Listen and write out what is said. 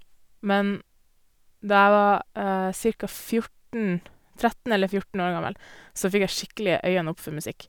Men da jeg var cirka fjorten, tretten eller fjorten år gammel, så fikk jeg skikkelig øynene opp for musikk.